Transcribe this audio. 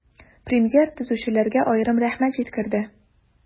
Премьер төзүчеләргә аерым рәхмәт җиткерде.